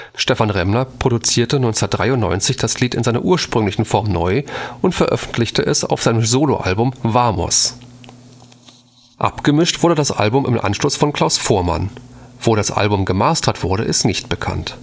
Stephan Remmler produzierte 1993 das Lied in seiner ursprünglichen Form neu und veröffentlichte es auf seinem Soloalbum Vamos. Abgemischt wurde das Album im Anschluss von Klaus Voormann. Wo das Album gemastert wurde, ist nicht bekannt